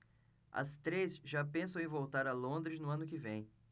as três já pensam em voltar a londres no ano que vem